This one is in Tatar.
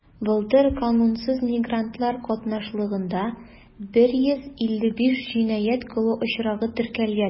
Былтыр канунсыз мигрантлар катнашлыгында 155 җинаять кылу очрагы теркәлгән.